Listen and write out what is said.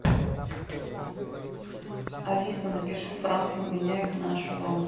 алиса напиши франки угоняют нашу лампу